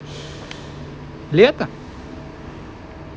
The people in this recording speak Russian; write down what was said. лето